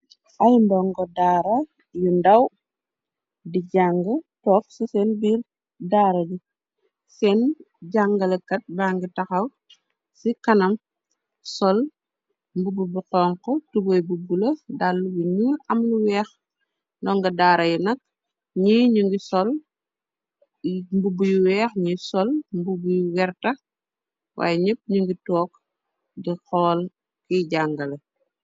Ay ndongo daara yu ndaw di jàng, toog ci seen biir daara gi. Seen jàngalekat bangi taxaw ci kanam. Sol mbubb bu xonxu, tubey bu bula, dall bu nuul am lu weex . Ndonga daara yi nak , ñi, ñu ngi sol imbubu yu weex, ñiy sol mbubu yu werta. Waaye ñepp ñu ngi took di xool kiy jàngale.